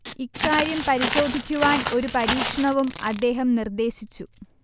ഇക്കാര്യം പരിശോധിക്കുവാൻ ഒരു പരീക്ഷണവും അദ്ദേഹം നിർദ്ദേശിച്ചു